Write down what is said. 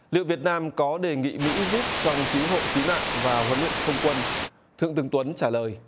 liệu việt nam có đề nghị mỹ giúp trong cứu hộ cứu nạn và huấn luyện không quân thượng tướng tuấn trả lời